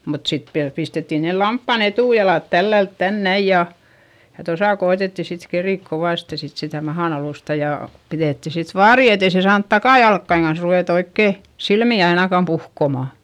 mutta sitten vielä pistettiin ne lampaan etujalat tällä lailla tänne näin ja ja tuossa koetettiin sitten keritä kovasti sitten sitä mahan alustaa ja pidettiin sitten vaari että ei se saanut takajalkojen kanssa ruveta oikein silmiä ainakaan puhkomaan